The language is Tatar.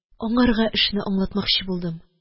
Аңарга эшне аңлатмакчы булдым